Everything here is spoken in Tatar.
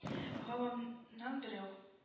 Гавамнан берәү